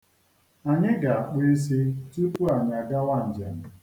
Anyị ga-akpụ isi tupu anyị agawa njem.